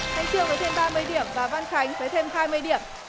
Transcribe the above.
thanh chương thêm ba mươi điểm và văn khánh với thêm hai mươi điểm